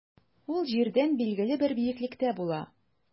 Ул җирдән билгеле бер биеклектә була.